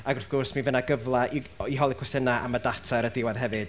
Ac wrth gwrs, mi fydd 'na gyfle i i holi cwestiynau am y data ar y diwedd hefyd.